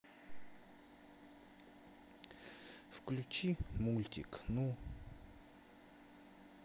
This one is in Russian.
включи мультик ну